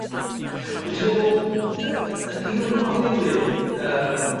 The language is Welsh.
Hmm. Wt ti' meddwl yy ydi hwn yn rwbath newydd yym